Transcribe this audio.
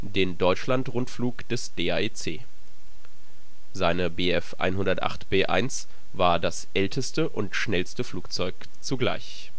den Deutschlandrundflug des DAeC. Seine Bf 108-B1 war das älteste und schnellste Flugzeug zugleich